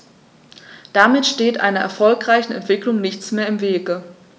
Damit steht einer erfolgreichen Entwicklung nichts mehr im Wege.